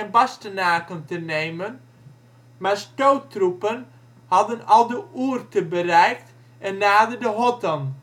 Bastenaken te nemen, maar stoottroepen hadden al de Ourthe bereikt en naderden Hotton